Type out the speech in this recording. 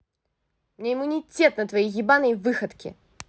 у меня иммунитет на твои ебаные выходки